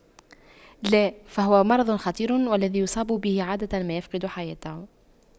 لا فهو مرض خطير والذي يصاب به عادة ما يفقد حياته